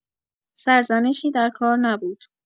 سرزنشی در کار نبود.